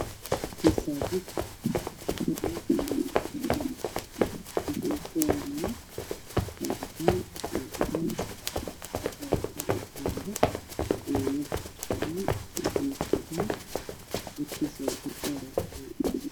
Masaajid oo ay fadhiyaan niman ka masaajidka dhulkiisa waa gadood nimanka waxay qabaan cimaamado